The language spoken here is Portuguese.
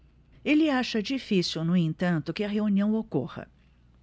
ele acha difícil no entanto que a reunião ocorra